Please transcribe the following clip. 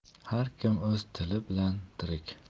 har kim o'z till bilan tirik